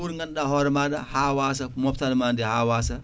pour ganduɗa hoore made ha wasa moftandi ma ndi ha wasa